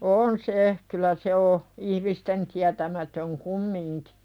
on se kyllä se on ihmisten tietämätön kumminkin